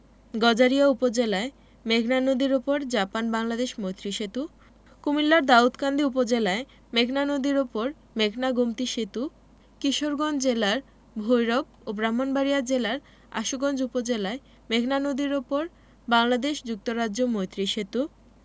গজারিয়া উপজেলায় মেঘনা নদীর উপর জাপান বাংলাদেশ মৈত্রী সেতু কুমিল্লার দাউদকান্দি উপজেলায় মেঘনা নদীর উপর মেঘনা গোমতী সেতু কিশোরগঞ্জ জেলার ভৈরব ও ব্রাহ্মণবাড়িয়া জেলার আশুগঞ্জ উপজেলায় মেঘনা নদীর উপর বাংলাদেশ যুক্তরাজ্য মৈত্রী সেতু